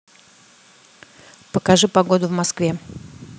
покажи погоду в москве